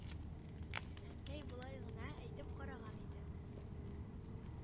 Әнкәй болай гына әйтеп караган иде,